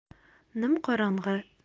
nim qorong'i